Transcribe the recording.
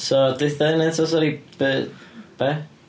So, deutha hynna eto sori be be?